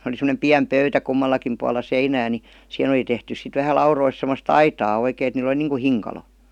oli semmoinen pieni pöytä kummallakin puolella seinää niin siihen oli tehty sitten vähän laudoista semmoista aitaa oikein että niillä oli niin kuin hinkalo